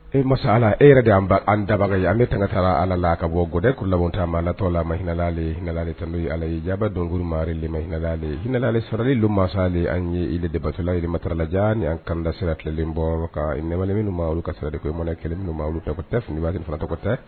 E masa ala e yɛrɛ de y an dabaga ye ale tan ka taara ala la ka bɔd ku latama latɔla ma hinɛina ale hinɛka ale tanto ala ye jaba dɔnkuruma ma hinɛina ale hinɛinala ale sarali don masa ale an yee defaselayimataralaja ni an kandasiratilen bɔwale minnu ma olu ka sira de mana kɛlɛtɛ fba fana tɔgɔ tɛ